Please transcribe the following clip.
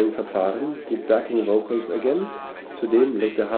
Overdubbing-Verfahren die Backing Vocals ergänzt, zudem legte